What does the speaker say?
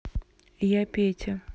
я петя